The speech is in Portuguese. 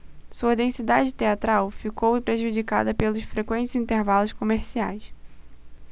sua densidade teatral ficou prejudicada pelos frequentes intervalos comerciais